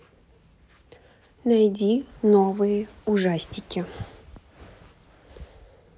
найди новые ужастики